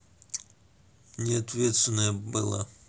не ответственная была